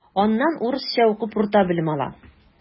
Аннан урысча укып урта белем ала.